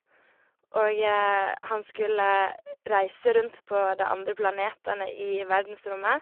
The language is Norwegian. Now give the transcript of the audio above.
Og han skulle reise rundt på de andre planetene i verdensrommet.